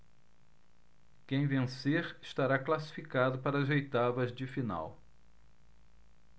quem vencer estará classificado para as oitavas de final